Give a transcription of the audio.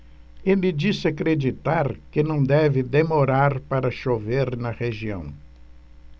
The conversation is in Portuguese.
ele disse acreditar que não deve demorar para chover na região